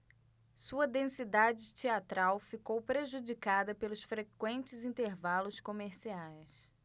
sua densidade teatral ficou prejudicada pelos frequentes intervalos comerciais